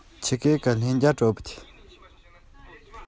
རྒད པོ གཉིས པོས ཀྱང